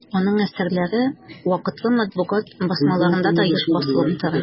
Аның әсәрләре вакытлы матбугат басмаларында да еш басылып тора.